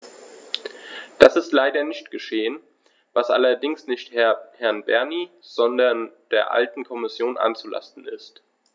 Das ist leider nicht geschehen, was allerdings nicht Herrn Bernie, sondern der alten Kommission anzulasten ist.